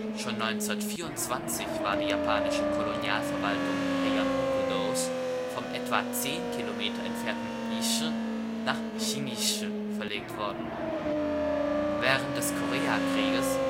Schon 1924 war die japanische Kolonialverwaltung Heian-hokudōs vom etwa zehn Kilometer entfernten Gishū (義州) nach Shingishū verlegt worden. Während des Koreakrieges